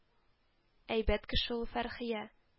Әйбәт кеше ул Фәрхия